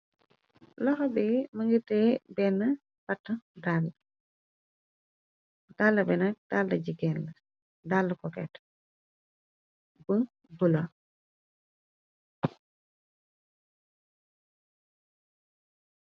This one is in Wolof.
loxa bi mënga te benn pat daldall benn tald jigeen la dall koket bu bula